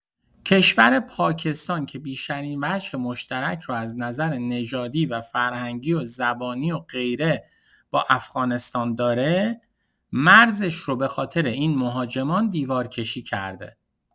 کشور پاکستان که بیشترین وجه مشترک رو از نظر نژادی و فرهنگی و زبانی و غیره با افغانستان داره، مرزش رو بخاطر این مهاجمان دیوارکشی کرده